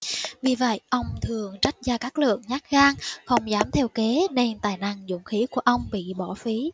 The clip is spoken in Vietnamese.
vì vậy ông thường trách gia cát lượng nhát gan không dám theo kế nên tài năng dũng khí của ông bị bỏ phí